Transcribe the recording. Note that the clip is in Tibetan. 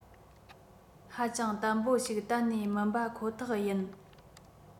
ཧ ཅང བརྟན པོ ཞིག གཏན ནས མིན པ ཁོ ཐག ཡིན